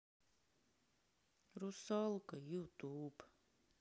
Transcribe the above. русалка ютуб